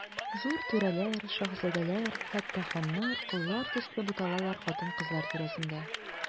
Зур түрәләр, шаһзадәләр, хәтта ханнар, коллар төсле буталалар хатын-кызлар тирәсендә.